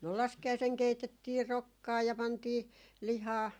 no laskiaisena keitettiin rokkaa ja pantiin lihaa